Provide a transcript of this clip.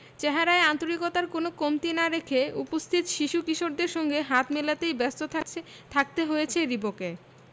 চেহারায় আন্তরিকতার কোনো কমতি না রেখে উপস্থিত শিশু কিশোরদের সঙ্গে হাত মেলাতেই ব্যস্ত থাকতে হয়েছে রিবোকে